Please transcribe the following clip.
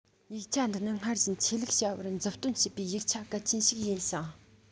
ཡིག ཆ འདི ནི སྔར བཞིན ཆོས ལུགས བྱ བར མཛུབ སྟོན བྱེད པའི ཡིག ཆ གལ ཆེན ཞིག ཡིན ཞིང